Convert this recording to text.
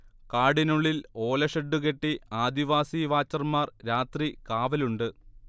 കാടിനുള്ളിൽ ഓലഷെഡ്ഡുകെട്ടി ആദിവാസി വാച്ചർമാർ രാത്രി കാവലുണ്ട്